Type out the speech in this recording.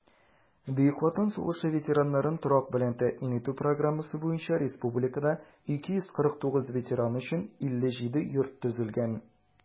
Бөек Ватан сугышы ветераннарын торак белән тәэмин итү программасы буенча республикада 249 ветеран өчен 57 йорт төзелгән.